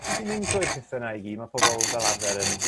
pan ti'n mynd trwy'r pethe 'na i gyd ma' pobol fel arfer yn